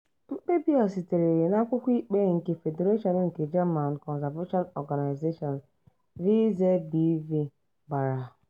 Mkpebi a sitere na akwụkwọ ikpe nke Federation of German Conservation Organisation, VZBV, gbara.